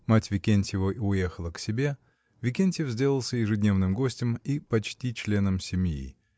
Мать Викентьева уехала к себе, Викентьев сделался ежедневным гостем и почти членом семьи.